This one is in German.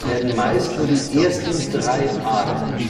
werden meist nur die ersten drei Arten